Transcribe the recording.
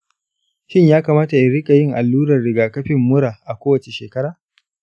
shin ya kamata in riƙa yin allurar riga-kafin mura a kowace shekara?